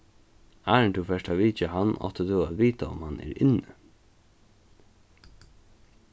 áðrenn tú fert at vitja hann átti tú at vitað um hann er inni